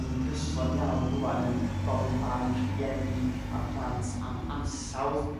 A ni'n gyson iawn rwan yn gofyn barn rhieni â'r plant am ansawdd